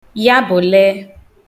yabụ̀le